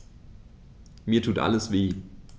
Mir tut alles weh.